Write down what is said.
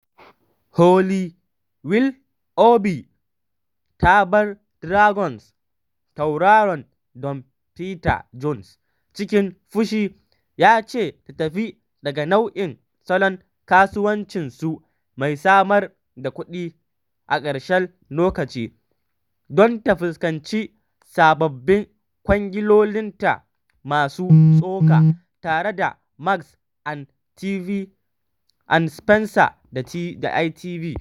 Holly Willoughby ta bar Dragons" tauraron Den Peter Jones cikin fushi ya ce ta fita daga nau’in salon kasuwancinsu mai samar da kuɗi a ƙarshen Lokaci- don ta fuskanci sababbin kwangilolinta masu tsoka tare da Marks & Spencer da ITV